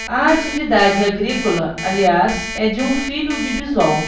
a atividade agrícola aliás é de um filho de bisol